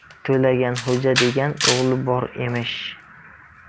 to'laganxo'ja degan o'g'li bor emish